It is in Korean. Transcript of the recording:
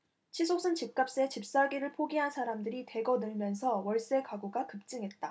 치솟은 집값에 집사기를 포기한 사람들이 대거 늘면서 월세 가구가 급증했다